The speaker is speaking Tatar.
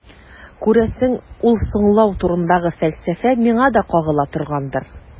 Күрәсең, ул «соңлау» турындагы фәлсәфә миңа да кагыла торгандыр.